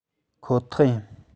ཁོ ཐག ཡིན